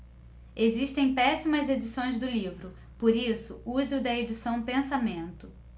existem péssimas edições do livro por isso use o da edição pensamento